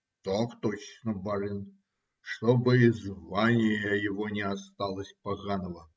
- Так точно, барин, чтоб и звания его не осталось поганого.